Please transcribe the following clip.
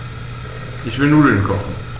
Ich will Nudeln kochen.